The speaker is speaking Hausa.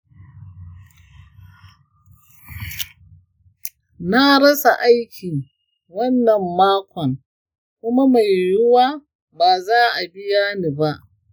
na rasa aiki wannan makon kuma mai yiwuwa ba za a biya ni ba.